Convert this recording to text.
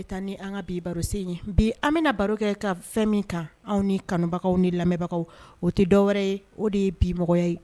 Taa ni an ka bi barosen ɲɛ bi an bɛna baro kɛ ka fɛn min kan anw ni kanubagaw ni lamɛnbagaw o tɛ dɔw ye o de ye bimɔgɔ ye